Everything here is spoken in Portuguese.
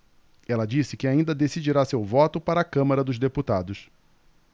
ela disse que ainda decidirá seu voto para a câmara dos deputados